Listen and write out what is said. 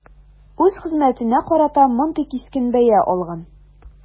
Үз хезмәтенә карата мондый кискен бәя алган.